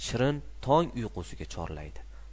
shirin tong uyqusiga chorlaydi